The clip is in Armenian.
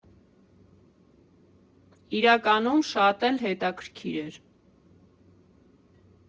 Իրականում, շատ էլ հետաքրքիր էր։